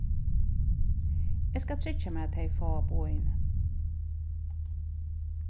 eg skal tryggja mær at tey fáa boðini